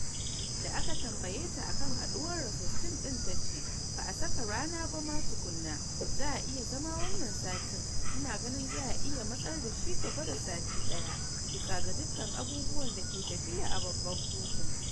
Da aka tambaye ta akan haduwar Rosenstein din, ta ce: “Ba’a saka rana ba ma tukunna, zai iya zama wannan satin, ina ganin za’a iya matsar da shi gaba da sati daya bisa ga dukkan abubuwan da ke tafiya a babban kotun.